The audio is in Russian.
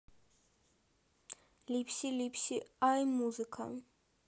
липси липси ай музыка